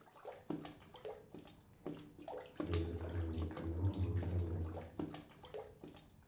музыкальный канал ру тв